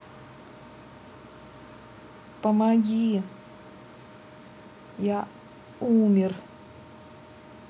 помоги я умер